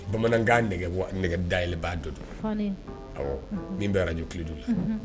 Bamanankan day b'a dɔ dɔrɔn min bɛ araj kido la